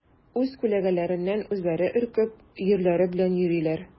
Үз күләгәләреннән үзләре өркеп, өерләре белән йөриләр.